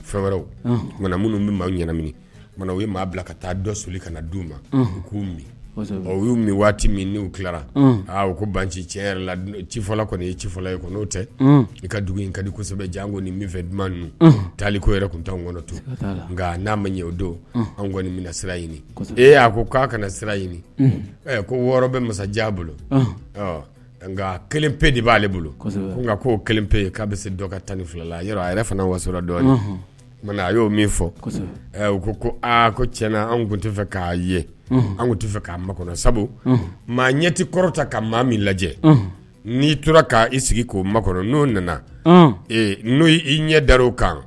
Fɛ wɛrɛw mana minnu bɛ maa ɲɛna u ye maa bila ka taa dɔ soli ka na d' u ma u k'u min y'u waati min n'u tila aa u ko ban nci cɛ la cifɔla kɔni ye cifɔla ye n'o tɛ i ka dugu in ka disɛbɛ an ko nin minfɛ dunan ninnu taali ko yɛrɛ tuntan an kɔnɔ to nka n'a ma ɲɛ' o don an kɔni minɛ sira ɲini ee a ko k'a kana sira ɲini ko wɔɔrɔ bɛ masajan bolo nkaga kelen pe de b'aale bolo nka k'o kelen pe ye k'a bɛ se dɔ ka tan ni fila la a yɛrɛ fana wasora dɔ ye a y'o min fɔ u ko ko aa ko tiɲɛna an tun tɛ fɛ k'a ye an tun tɛ fɛ k'a ma kɔnɔ sabu maa ɲɛti kɔrɔta ka maa min lajɛ n'i tora k' i sigi k'o makɔrɔ n'o nana n'o i ɲɛ dar o kan